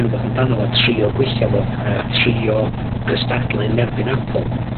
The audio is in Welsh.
rwbeth amdano fo a trio gwella fo... Ie. ...a trio cystadlu yn erbyn Apple.